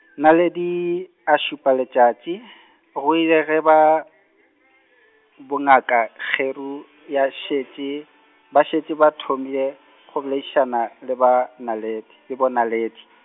Naledi, a šupa letšatši , go ile ge ba, bongaka Kgeru ya šetše, ba šetše ba thomile, go boledišana le ba Naledi, le bonaledi .